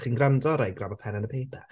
Chi'n gwrando? Right grab a pen and a paper.